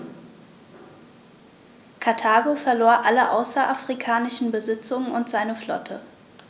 Karthago verlor alle außerafrikanischen Besitzungen und seine Flotte.